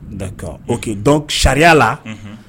Nka oke dɔn sariya la